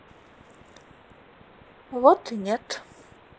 вот и нет